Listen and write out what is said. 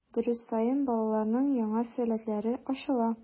Дәрес саен балаларның яңа сәләтләре ачыла.